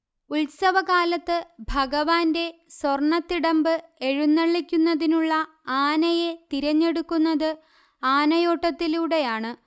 ഉത്സവകാലത്ത് ഭഗവാന്റെ സ്വർണ്ണതിടമ്പ് എഴുന്നള്ളിക്കുന്നതിനുള്ള ആനയെ തിരഞ്ഞെടുക്കുന്നത് ആനയോട്ടത്തിലൂടെയാണ്